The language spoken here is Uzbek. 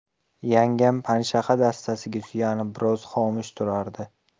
yangam panshaxa dastasiga suyanib biroz xomush turardi